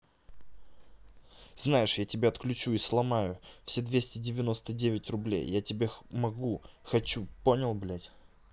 знаешь я тебя отключу и сломаю и все двести девяносто девять рублей я тебе могу хочу понял блядь